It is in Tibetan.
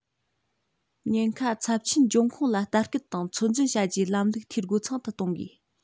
ཉེན ཁ ཚབས ཆེན འབྱུང ཁུངས ལ ལྟ སྐུལ དང ཚོད འཛིན བྱ རྒྱུའི ལམ ལུགས འཐུས སྒོ ཚང དུ གཏོང དགོས